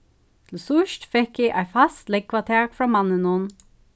til síðst fekk eitt fast lógvatak frá manninum